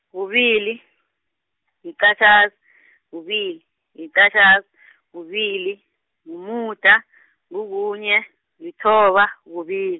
kubili, liqatjhazi , kubili, yiqatjhazi, kubili, mumuda, ngukunye, lithoba, kubili.